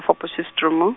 -fo Potchefstroom.